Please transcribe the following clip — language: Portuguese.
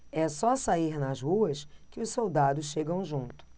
é só sair nas ruas que os soldados chegam junto